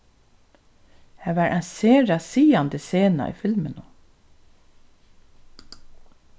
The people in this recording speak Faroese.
har var ein sera sigandi sena í filminum